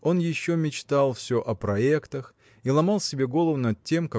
Он еще мечтал все о проектах и ломал себе голову над тем